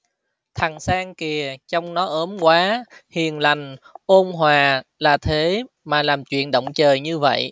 thằng sang kìa trông nó ốm quá hiền lành ôn hòa là thế mà làm chuyện động trời như vậy